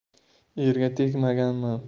erga tegmaganman